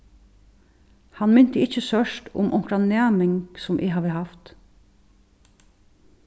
hann minti ikki sørt um onkran næming sum eg havi havt